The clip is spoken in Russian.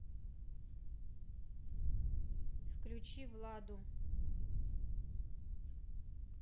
включи владу